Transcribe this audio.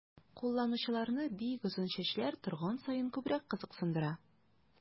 Кулланучыларны бик озын чәчләр торган саен күбрәк кызыксындыра.